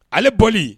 Ale boli